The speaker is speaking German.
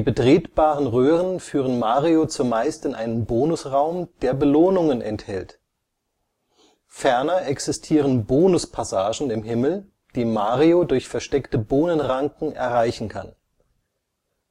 betretbaren Röhren führen Mario zumeist in einen Bonusraum, der Belohnungen enthält. Ferner existieren Bonuspassagen im Himmel, die Mario durch versteckte Bohnenranken erreichen kann.